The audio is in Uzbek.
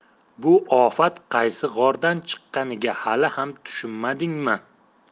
bu ofat qaysi g'ordan chiqqaniga hali ham tushunmadingmi